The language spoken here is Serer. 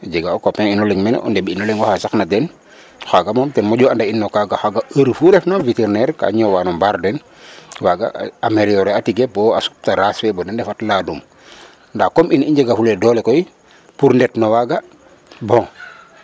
A jega o copain ino leŋ mene o ndeɓ ino leŋ mene oxa saq na teen o xaga moom ten moƴu and a in no kaga xaga heure fu refna vétérinaire ka ñoowa no mbaal den wara a améliorer ora tige bo a supta raas fe bada ndefat ladum ndaa comme i njegafulee doole koy pour ndet no waa.ga bon